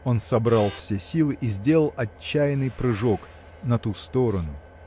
Он собрал все силы и сделал отчаянный прыжок. на ту сторону.